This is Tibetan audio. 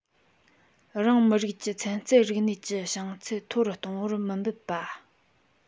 རང མི རིགས ཀྱི ཚན རྩལ རིག གནས ཀྱི བྱང ཚད མཐོ རུ གཏོང བར མི འབད པ